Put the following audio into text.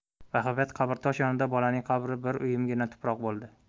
bahaybat qabrtosh yonida bolaning qabri bir uyumgina tuproq bo'ldi